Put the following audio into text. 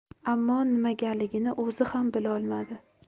ammo nimagaligini o'zi ham bilolmadi